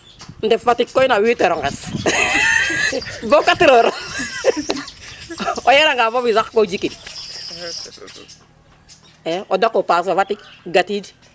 ndef Fatick moom no 8 heures ŋes bo 4 heures o yera nga fofi sax ko jikin o daqo pas Fatick gatid